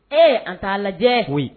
Ee an ta lajɛ koyi